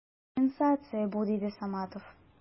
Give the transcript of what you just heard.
Сенсация бу! - диде Саматов.